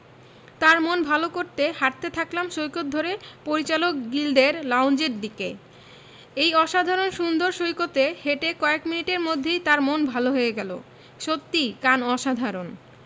তার মন ভালো করতে হাঁটতে থাকলাম সৈকত ধরে পরিচালক গিল্ডের লাউঞ্জের দিকে এই অসাধারণ সুন্দর সৈকতে হেঁটে কয়েক মিনিটের মধ্যেই তার মন ভালো হয়ে গেল সত্যিই কান অসাধারণ